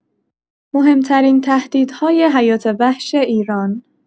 مهم‌ترین تهدیدهای حیات‌وحش ایران